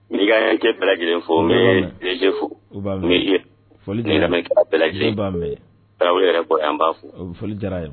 N bɛ miyankakɛ bɛɛlajɛlen fo u bɛɛ b'a mɛn, u b'a mɛn , n bɛ le vieux n bɛ lamɛnninkɛla bɛɛ lajɛlen fo,u bɛɛ b'a mɛn, Tarawer yɛrɛ bɔ yan n b'a fo , foli diyara a ye